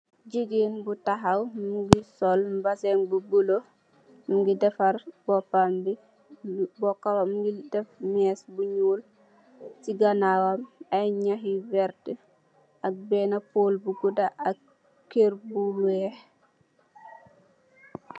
Jigen bu tahaw muge sol bazin bu bluelo muge defarr bopambe muge def mess bu njol se ganawam aye nyaah yu werte ak bena pole bu gouda ak kerr bu weehe.